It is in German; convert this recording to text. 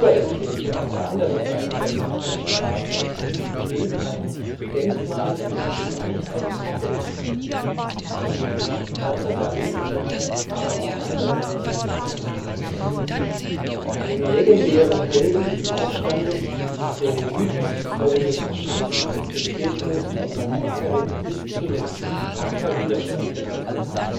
der Kirche auf der anderen Seite der Lindwurmstraße steht ein Denkmal für den Schmied von Kochel, (angeblich Balthasar Riesenberger, aber auch andere Namen sind überliefert), einen legendären Helden des Aufstandes, der dem Mythos zufolge verschanzt auf dem Kirchhof von St. Margaret bis zuletzt tapfer Widerstand geleistet haben